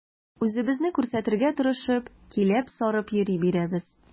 Үзебезне күрсәтергә тырышып, киләп-сарып йөри бирәбез.